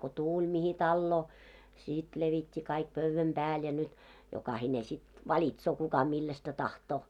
kun tuli mihin taloon sitten levitti kaikki pöydän päälle ja nyt jokainen sitten valitsee kuka millaista tahtoo